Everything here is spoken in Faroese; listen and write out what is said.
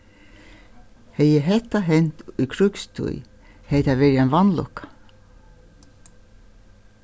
hevði hetta hent í krígstíð hevði tað verið ein vanlukka